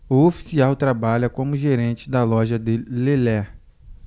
o oficial trabalha como gerente da loja de lelé